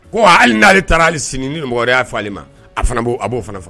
Ko hali n'ale taara ali hali sini ni mɔgɔruya y'a fɔ ale ma a fana a b'o fana faga